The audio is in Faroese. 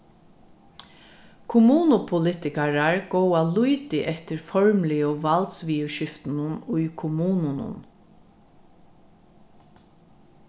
kommunupolitikarar gáa lítið eftir formligu valdsviðurskiftunum í kommununum